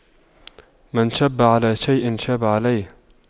من شَبَّ على شيء شاب عليه